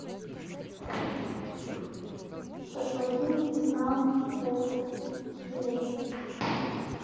шашлыки весна тест четыре